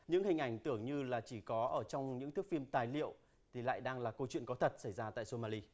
những hình ảnh tưởng như là chỉ có ở trong những thước phim tài liệu thì lại đang là câu chuyện có thật xảy ra tại xô ma li